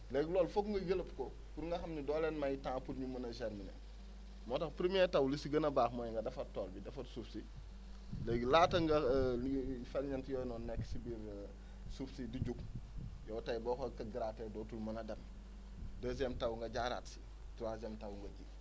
léegi loolu foog nga yëlëb ko pour nga xam ne doo leen may temps pour ñu mun a germer moo tax premier taw lu si gën a baax mooy nga defar tool bi defar suuf si léegi laata nga li ferñeent yooyu noonu nekk ci biir suuf si di jug yow tey boo ko grater dootum mun a dem deuxième taw nga jaaraat si troisième taw nga ji